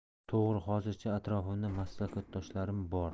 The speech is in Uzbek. to'g'ri hozircha atrofimda maslakdoshlarim bor